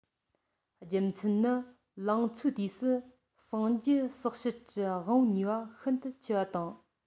རྒྱུ མཚན ནི ལང ཚོའི དུས སུ གསང རྒྱུད ཟགས གཤེར གྱི དབང བོའི ནུས པ ཤིན ཏུ ཆེ བ དང